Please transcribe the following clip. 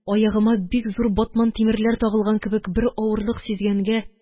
Аягыма бик зур батман тимерләр тагылган кебек бер авырлык сизгәнгә,